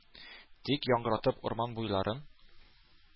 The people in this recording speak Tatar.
Тик яңратып урман буйларын,